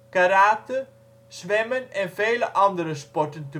karate, zwemmen en vele andere sporten